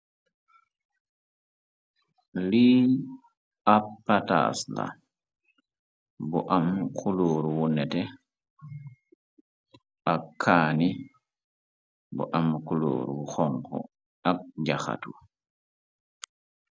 Lii apatasla bu am xuluur wu nete ak kaani bu am kuluurwu xonk ak jaxatu.